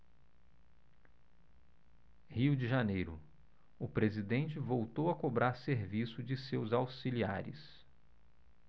rio de janeiro o presidente voltou a cobrar serviço de seus auxiliares